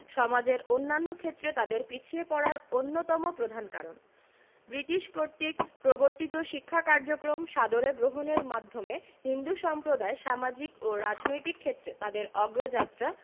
সমাজের অন্যান্য ক্ষেত্রে তাদের পিছিয়ে পড়ার অন্যতম প্রধান কারণ ব্রিটিশ কর্তৃক প্রবর্তিত শিক্ষা কার্যক্রম সাদরে গ্রহণের মাধ্যমে হিন্দু সম্প্রদায় সামাজিক ও রাজনৈতিক ক্ষেত্রে তাদের অগ্রযাত্রা